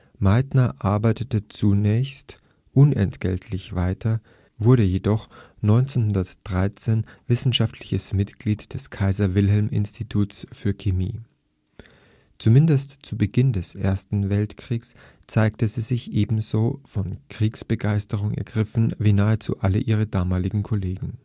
Meitner arbeitete zunächst unentgeltlich weiter, wurde jedoch 1913 wissenschaftliches Mitglied des Kaiser-Wilhelm-Instituts für Chemie. Zumindest zu Beginn des Ersten Weltkriegs zeigte sie sich ebenso von Kriegsbegeisterung ergriffen wie nahezu alle ihre damaligen Kollegen